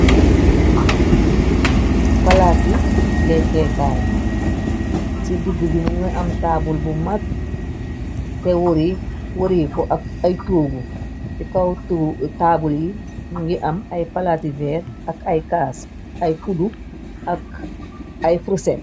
Palaaci lekkeekaay ci digg bi mu ngi am taabl bu mag, te wari ko ak ay toogu. Ci kaw taabl yi mungi am ay palaati veer, ak ay caas, ay kuddu ak ay frusét.